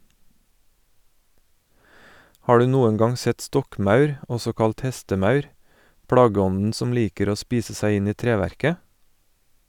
Har du noen gang sett stokkmaur, også kalt hestemaur, plageånden som liker å spise seg inn i treverket?